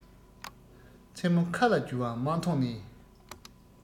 མཚན མོ མཁའ ལ རྒྱུ བ མ མཐོང ནས